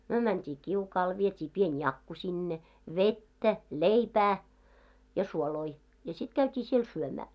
me mentiin kiukaalle vietiin pieni jakku sinne vettä leipää ja suoloja ja sitten käytiin siellä syömään